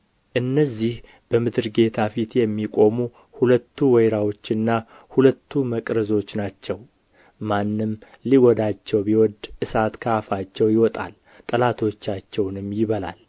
እነዚህ በምድር ጌታ ፊት የሚቆሙ ሁለቱ ወይራዎችና ሁለቱ መቅረዞች ናቸው ማንምም ሊጐዳቸው ቢወድ እሳት ከአፋቸው ይወጣል ጠላቶቻቸውንም ይበላል